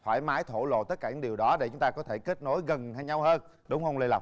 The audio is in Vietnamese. thoải mái thổ lộ tất cả những điều đó để chúng ta có thể kết nối gần nhau hơn đúng hông lê lộc